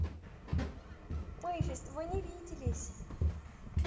мы еще с тобой не виделись